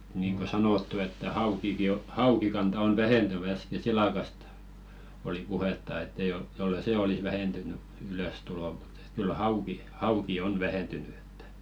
niin kuin sanottu että haukikin on haukikanta on vähentynyt äsken silakasta oli puhetta että ei - jos ei sen olisi vähentynyt ylöstulo mutta että kyllä hauki hauki on vähentynyt että